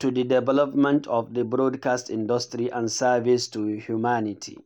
to the development of the broadcast industry and service to humanity.